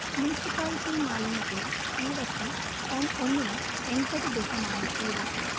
municipality മാലിന്യത്തിന്ഈ വർഷം ton ഒന്നിന് എണ്‍പത് ദിർഹമാണ്ഇടാക്കുക